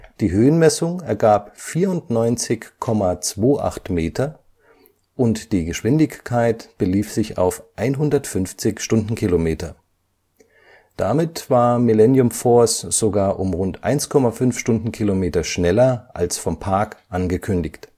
Die Höhenmessung ergab 94,28 Meter und die Geschwindigkeit belief sich auf 150 km/h. Damit war Millennium Force sogar um rund 1,5 km/h schneller als vom Park angekündigt